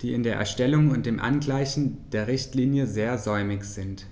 die in der Erstellung und dem Angleichen der Richtlinie sehr säumig sind.